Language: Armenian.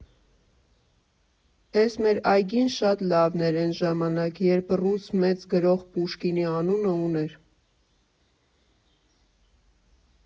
Էս մեր այգին շատ լավն էր էն ժամանակ, երբ ռուս մեծ գրող Պուշկինի անունը ուներ։